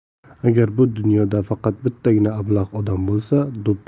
agar bu dunyoda faqat bittagina ablah